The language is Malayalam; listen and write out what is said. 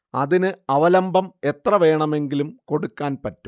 അതിന് അവലംബം എത്ര വേണമെങ്കിലും കൊടുക്കാൻ പറ്റും